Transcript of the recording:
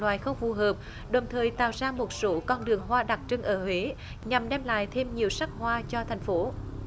loài không phù hợp đồng thời tạo ra một số con đường hoa đặc trưng ở huế nhằm đem lại thêm nhiều sắc hoa cho thành phố